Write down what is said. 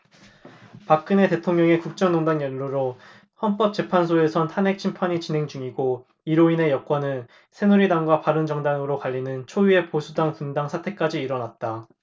박근혜 대통령의 국정농단 연루로 헌법재판소에선 탄핵 심판이 진행 중이고 이로 인해 여권은 새누리당과 바른정당으로 갈리는 초유의 보수당 분당 사태까지 일어났다